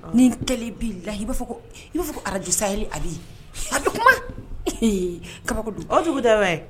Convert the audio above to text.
N ye n kale billahi i b'a fo Radio sahel Aly, a bi kuma, eehee, a bi kuma